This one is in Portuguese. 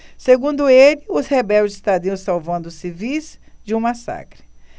segundo ele os rebeldes estariam salvando os civis de um massacre